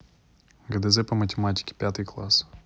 гдз по математике пятый класс